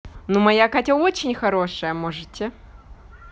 ну моя катя очень хорошая можете